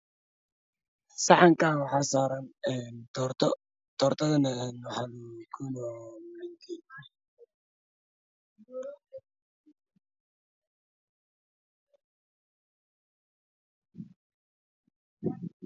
saxankan waxa sarara torto tortadana en waxa lagu gownaya mindi